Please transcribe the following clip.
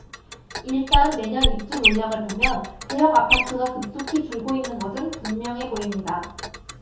일단 매년 입주 물량을 보면 대형아파트가 급속히 줄고 있는 것은 분명해 보입니다